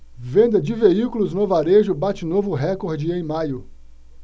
venda de veículos no varejo bate novo recorde em maio